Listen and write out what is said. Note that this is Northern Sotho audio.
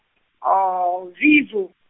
Vivo.